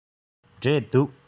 འབྲས འདུག